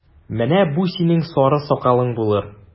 Менә бу синең сары сакалың булыр!